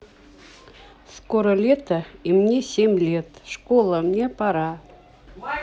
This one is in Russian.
скоро лето и мне семь лет школа мне пора